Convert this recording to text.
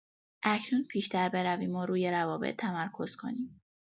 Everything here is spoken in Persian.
اکنون پیش‌تر برویم و روی روابط تمرکز کنیم.